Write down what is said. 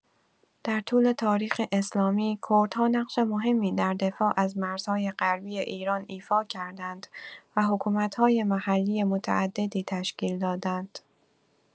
در طول تاریخ اسلامی، کردها نقش مهمی در دفاع از مرزهای غربی ایران ایفا کردند و حکومت‌های محلی متعددی تشکیل دادند.